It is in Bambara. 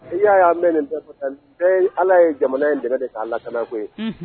I y'a ye an bɛ n'i bɛɛ fasɛni Ala ye jamana in dɛmɛ de k'a lakana koyi, un.